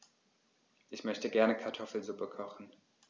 Ich möchte gerne Kartoffelsuppe kochen.